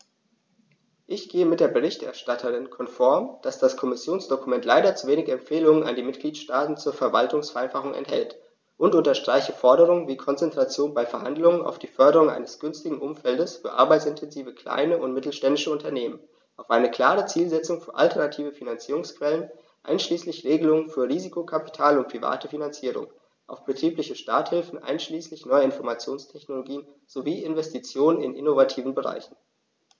Ich gehe mit der Berichterstatterin konform, dass das Kommissionsdokument leider zu wenig Empfehlungen an die Mitgliedstaaten zur Verwaltungsvereinfachung enthält, und unterstreiche Forderungen wie Konzentration bei Verhandlungen auf die Förderung eines günstigen Umfeldes für arbeitsintensive kleine und mittelständische Unternehmen, auf eine klare Zielsetzung für alternative Finanzierungsquellen einschließlich Regelungen für Risikokapital und private Finanzierung, auf betriebliche Starthilfen einschließlich neuer Informationstechnologien sowie Investitionen in innovativen Bereichen.